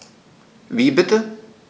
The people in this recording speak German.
Wie bitte?